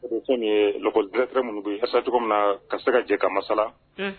O bi kɛ ni ye école directeur minnu bɛ ye walasa cogo min na, ka se ka jɛ ka masala, un.